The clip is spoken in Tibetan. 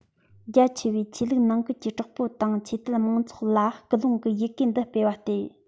རྒྱ ཆེ བའི ཆོས ལུགས ནང ཁུལ གྱི གྲོགས པོ དང ཆོས དད དམངས ཚོགས ལ སྐུལ སློང གི ཡི གེ འདི སྤེལ བ སྟེ